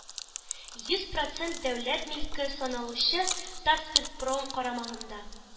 Йөз процент дәүләт милке саналучы “татспиртпром” карамагында.